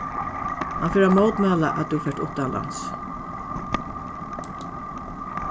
hann fer at mótmæla at tú fert uttanlands